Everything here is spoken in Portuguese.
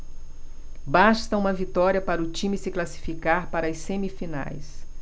basta uma vitória para o time se classificar para as semifinais